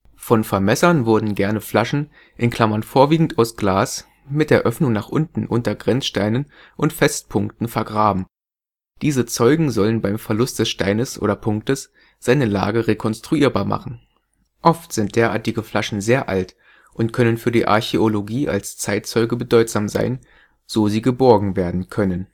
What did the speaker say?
Von Vermessern wurden gerne Flaschen (vorwiegend aus Glas) mit der Öffnung nach unten unter Grenzsteine und Festpunkten vergraben. Diese " Zeugen " sollten bei Verlust des Steines/Punktes seine Lage rekonstruierbar machen. Oft sind derartige Flaschen sehr alt und können für die Archäologie als " Zeitzeuge " bedeutsam sein, so sie geborgen werden (können